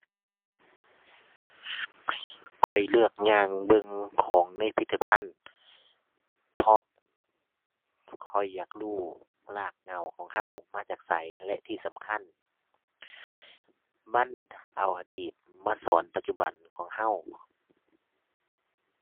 ข้อยเลือกย่างเบิ่งของในพิพิธภัณฑ์ เพราะข้อยอยากรู้รากเหง้าของเรามาจากไสและที่สำคัญ มัน เอาอดีตมาสอนปัจจุบันของเรา